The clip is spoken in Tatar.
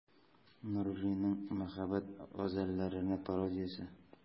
Нуруллинның «Мәхәббәт газәлләренә пародия»се.